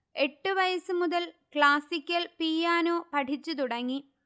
എട്ട് വയസ് മുതൽ ക്ലാസിക്കൽ പിയാനോ പഠിച്ച് തുടങ്ങി